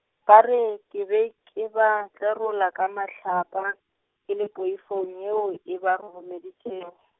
ka re ke be ke ba tlerola ka mahlapa, ke le poifong yeo e ba roromedišitšego.